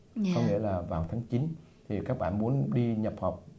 có nghĩa là vào tháng chín thì các bạn muốn đi nhập học